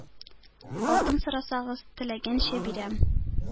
Алтын сорасагыз, теләгәнчә бирәм,